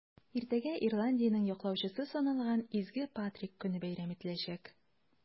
Иртәгә Ирландиянең яклаучысы саналган Изге Патрик көне бәйрәм ителәчәк.